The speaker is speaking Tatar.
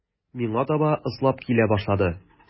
Миңа таба ыслап килә башлады.